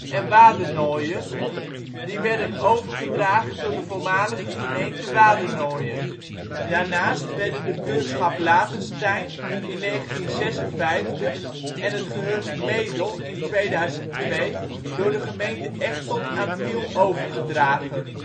en Wadenoijen, die werden overgedragen door de voormalige gemeente Wadenoijen. Daarnaast werden de buurtschap Latenstein in 1956 en het gehucht Medel in 2002 door de gemeente Echteld aan Tiel overgedragen